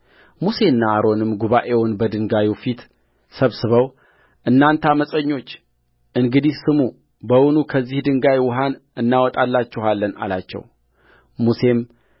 ሙሴና አሮንም ጉባኤውን በድንጋዩ ፊት ሰብስበው እናንተ ዓመፀኞች እንግዲህ ስሙ በውኑ ከዚህ ድንጋይ ውኃን እናወጣላችኋለን አላቸውሙሴም